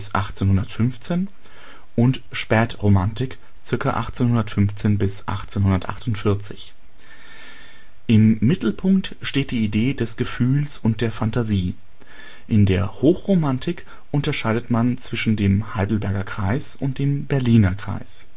1815) und Spätromantik (ca. 1815 – 1848). Im Mittelpunkt steht die Idee des Gefühls und der Fantasie. In der Hochromantik unterscheidet man zwischen dem Heidelberger Kreis und dem Berliner Kreis